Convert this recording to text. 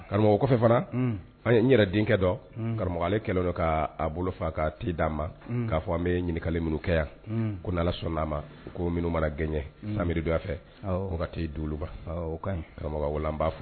Karamɔgɔ kɔfɛ fana an n yɛrɛ denkɛ dɔn karamɔgɔ ale kɛlɛ dɔ k' a bolo fa ka t di anan ma k'a fɔ an bɛ ɲininkaka minnu kɛ yan ko sɔnna n'a ma ko minnu mana gɛn miri don fɛ t donba ka karamɔgɔ wala an b'a fɔ